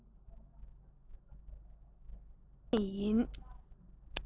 འཕར ངེས ཡིན